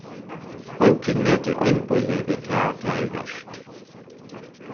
eingin metir einbýli við tað tað er vert